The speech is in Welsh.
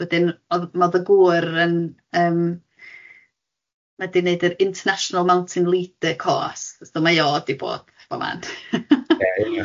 Wedyn odd ma o'dd y gŵr yn yym ma wedi wneud yr International Mountain Leader course so mae o di bod i bob man... Fel mae'n ia ia.